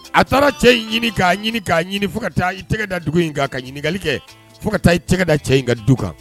A taara cɛ in ɲini k'a ɲini k'a ɲini fo ka taa i tɛgɛ da dugu in kana ka ɲininkali kɛ fo ka taa i tɛgɛ da cɛ in ka du kan